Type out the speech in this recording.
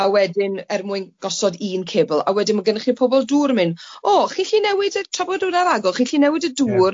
A wedyn er mwyn gosod un cebl a wedyn ma' gynnoch chi pobol dŵr yn myn 'o chi'n 'llu newid y tra bod hwnna ar agor chi'n gallu newid y dŵr?'